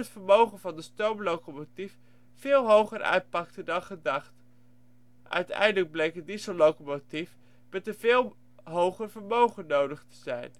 vermogen van de stoomlocomotief veel hoger uitpakte dan gedacht. Uiteindelijk bleek een diesellocomotief met een veel hoger vermogen nodig te zijn